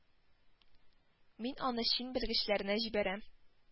Мин аны чин белгечләренә җибәрәм